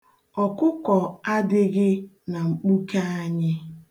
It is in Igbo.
Ọkụkọ adịghị na mkpuke anyị.